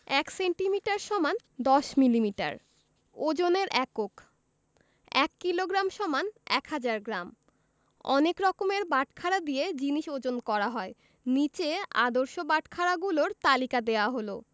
১ centimetre = ১০ millimetre ওজনের এককঃ ১ kilogram = ১০০০ gram অনেক রকমের বাটখারা দিয়ে জিনিস ওজন করা হয় নিচে আদর্শ বাটখারাগুলোর তালিকা দেয়া হলঃ